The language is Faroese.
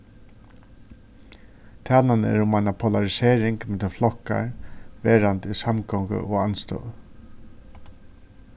talan er um eina polarisering millum flokkar verandi í samgongu og andstøðu